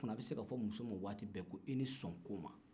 o tumana a bɛ se ka fɔ muso ma waati bɛɛ ko i ni sɔn ko ma